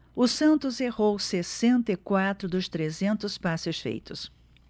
o santos errou sessenta e quatro dos trezentos passes feitos